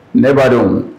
Ne b ba dɔn